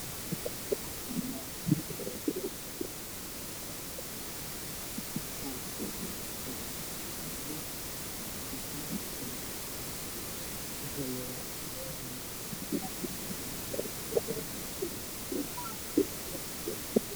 Waxaa ii muuqda khasaarad kalarkeedii yahay caddaan korka ah buluug dhul ayay taallaa